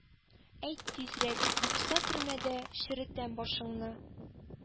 Әйт тизрәк, юкса төрмәдә черетәм башыңны!